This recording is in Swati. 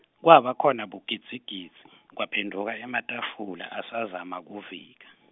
kwaba khona bugidzigidzi , kwaphendvuka ematafula, asazama, kuvika.